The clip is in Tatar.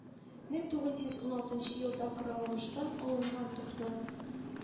Мең тугыз йөз уналтынчы елда коралланыштан алынган тупны,